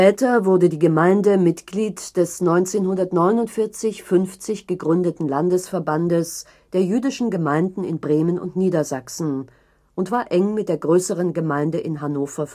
Später wurde die Gemeinde Mitglied des 1949 / 50 gegründeten Landesverbandes der jüdischen Gemeinden in Bremen und Niedersachsen und war eng mit der größeren Gemeinde in Hannover